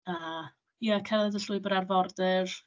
A, ie, cerdded y llwybr arfordir.